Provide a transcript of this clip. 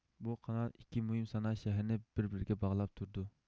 بۇ قانال ئىككى مۇھىم سانائەت شەھەرلىرىنى بىر بىرىگە باغلاپ تۇرىدۇ